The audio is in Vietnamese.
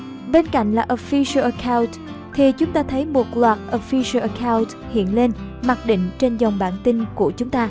bên cạnh là official account thì chúng ta thấy loạt official account hiện lên mặc định trên dòng bảng tin của các bạn